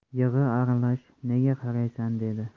yig'i aralash nega qaraysan dedi